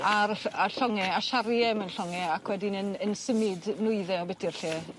Ar y ll ar llonge a siarie mewn llonge ac wedyn yn yn symud nwydde o biti'r lle.